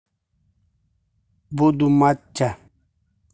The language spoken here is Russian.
буду маття